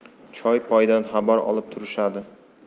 choy poydan xabar olib turishadi